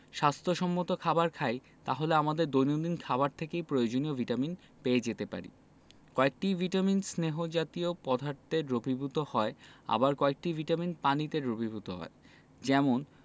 স্বাস্থ্য সম্মত খাবার খাই তাহলে আমাদের দৈনন্দিন খাবার থেকেই প্রয়োজনীয় ভিটামিন পেয়ে যেতে পারি কয়েকটি ভিটামিন স্নেহ জাতীয় পদার্থে দ্রবীভূত হয় আবার কয়েকটি ভিটামিন পানিতে দ্রবীভূত হয় যেমন